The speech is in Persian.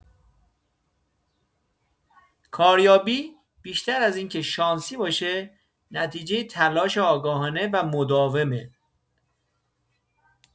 کاریابی بیشتر از این که شانسی باشه، نتیجه تلاش آگاهانه و مداومه.